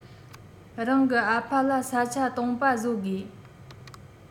རང གི ཨ ཕ ལ ས ཆ སྟོང པ བཟོ དགོས